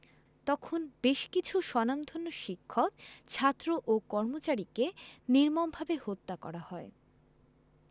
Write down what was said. তখন বেশ কিছু স্বনামধন্য শিক্ষক ছাত্র ও কর্মচারীকে নির্মমভাবে হত্যা করা হয়